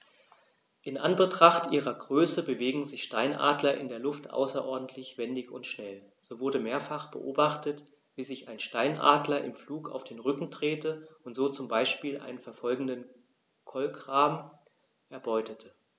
In Anbetracht ihrer Größe bewegen sich Steinadler in der Luft außerordentlich wendig und schnell, so wurde mehrfach beobachtet, wie sich ein Steinadler im Flug auf den Rücken drehte und so zum Beispiel einen verfolgenden Kolkraben erbeutete.